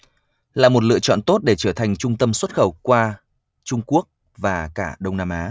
là một lựa chọn tốt để trở thành trung tâm xuất khẩu qua trung quốc và cả đông nam á